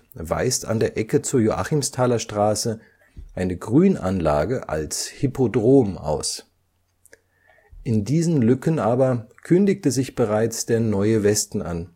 weist an der Ecke zur Joachimsthaler Straße eine Grünanlage als Hippodrom aus. In diesen Lücken aber kündigte sich bereits der neue Westen an